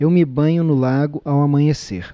eu me banho no lago ao amanhecer